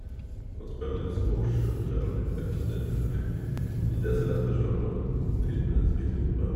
Og spiller litt squash og trener litt vekter, sjøl om det ikke er så lett å sjå på den tynne, spinkle kroppen.